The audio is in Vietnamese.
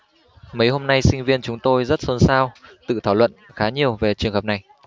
mấy hôm nay sinh viên chúng tôi rất xôn xao tự thảo luận khá nhiều về trường hợp này